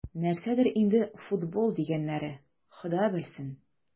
Нәрсәдер инде "футбол" дигәннәре, Хода белсен...